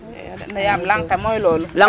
I naaga yo de yaam lang ke mooy loolu